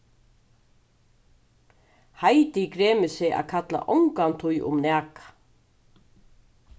heidi gremur seg at kalla ongantíð um nakað